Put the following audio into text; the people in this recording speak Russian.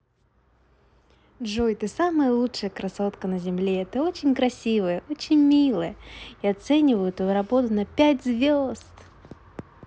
джой ты самая лучшая красотка на земле ты очень красивая очень милая и оцениваю твою работу на пять звезд